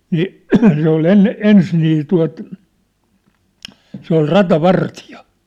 niin se oli ennen ensin niin tuota se oli ratavartija